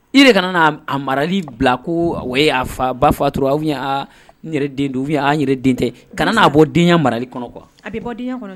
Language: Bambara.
I yɛrɛ ka na na a marali bila ko a fa, ba fatura oui ooublie a n yɛrɛ den. Oubien a n yɛrɛ den tɛ. Kana na bɔ den marali kɔnɔ quoi a bɛ bɔ den ya kɔnɔ.